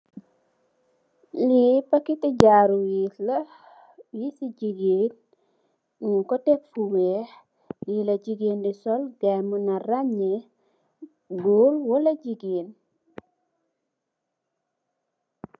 Lii paketu jaaru wees la, weesi jigeen, nyun ko teg fu weex, yi la jigeen di sol gaayi mana rannyee, goor wala jigeen.